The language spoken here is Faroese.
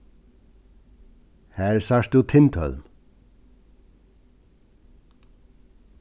har sært tú tindhólm